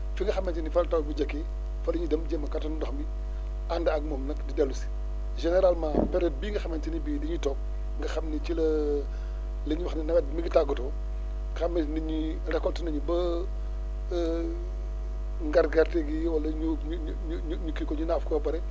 fi nga xamante ni fa la taw bi njëkke fa la ñuy dem jéem a gatandu ndox mi ànd ak moom nag di dellu si généralement période bii nga xamante ni bii bi ñu toog nga xam ne ci la li ñu wax ne nawet bi mi ngi tàggatoo xam ne nit ñi récolter na ñu ba ngar gerte gi wala ñu ñu ñu ñu ñu kii ko ñu naaf ko ba pare